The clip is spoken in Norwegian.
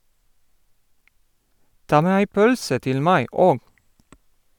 Ta med ei pølse til meg òg!